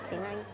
tiếng anh